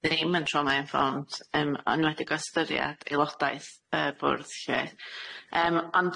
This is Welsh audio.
ddim yn trauma-informed, yym yn enwedig o ystyried aelodaeth y bwrdd lly. Yym ond